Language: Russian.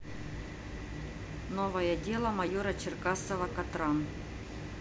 новое дело майора черкасова катран